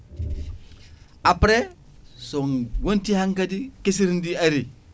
après so wonti hankkadi kesiridi ari